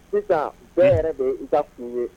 Sisan bɛɛ yɛrɛ de yen i ka kun ye